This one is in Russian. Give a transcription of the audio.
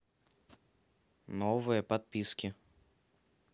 новые подписки